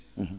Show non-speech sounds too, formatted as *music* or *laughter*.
*hesitation* *hesitation*